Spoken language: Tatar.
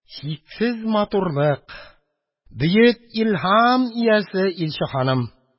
Чиксез матурлык, бөек илһам илче ханым!